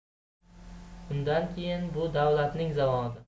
undan keyin bu davlatning zavodi